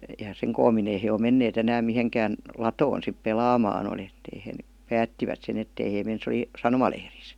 ja sen koommin ei he ole menneet enää mihinkään latoon sitten pelaamaan oli että ei he päättivät sen että ei he mene se oli sanomalehdissä